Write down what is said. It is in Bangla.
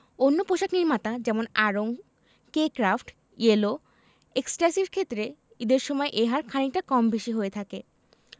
অন্য পোশাক নির্মাতা যেমন আড়ং কে ক্র্যাফট ইয়েলো এক্সট্যাসির ক্ষেত্রে ঈদের সময় এ হার খানিকটা কম বেশি হয়ে থাকে